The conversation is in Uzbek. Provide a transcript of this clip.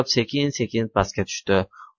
sekin sekin pastga tushdi